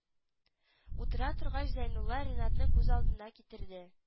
Утыра торгач зәйнулла ринатны күз алдына китерде